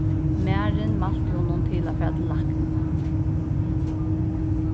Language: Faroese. marin mælti honum til at fara til lækna